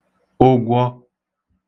ụgwọ